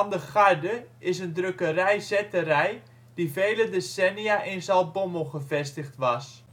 de Garde is een drukkerij/zetterij die vele decennia in Zaltbommel gevestigd was